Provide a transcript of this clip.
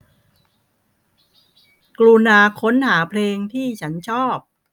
กรุณาค้นหาเพลงที่ฉันชอบ